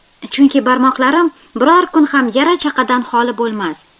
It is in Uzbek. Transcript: chunki barmoqlarim biror kun ham yara chaqadan xoli bo'lmas